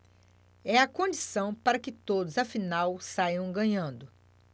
é a condição para que todos afinal saiam ganhando